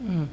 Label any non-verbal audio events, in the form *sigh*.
*hesitation*